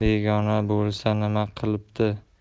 begona bo'lsa nima qilibdi